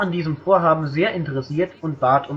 diesem Vorhaben sehr interessiert und bat